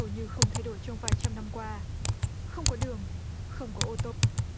hầu như không thay đổi trong vài trăm năm qua không có đường không có ô tô